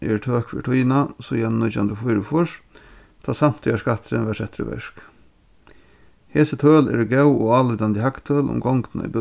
er tøk fyri tíðina síðani nítjan hundrað og fýraogfýrs tá samtíðarskatturin varð settur í verk hesi tøl eru góð og álítandi hagtøl um gongdina í